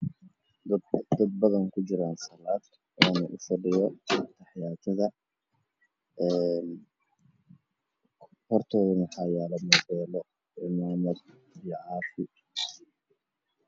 Dad badan oo ku jiraan salaad hortooda waxay yeelo moobeello waxaana ka dambeeya dad kale oo tukanay